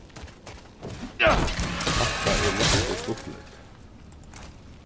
hatta er nokk so stuttligt